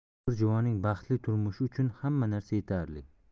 bir juvonning baxtli turmushi uchun hamma narsa yetarli